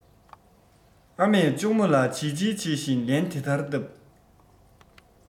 ཨ མས གཅུང མོ ལ བྱིལ བྱིལ བྱེད བཞིན ལན དེ ལྟར བཏབ